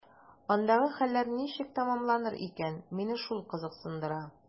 Андагы хәлләр ничек тәмамланыр икән – мине шул кызыксындыра.